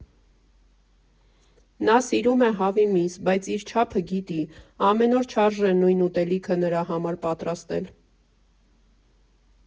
Նա սիրում է հավի միս, բայց իր չափը գիտի, ամեն օր չարժե նույն ուտելիքը նրա համար պատրաստել։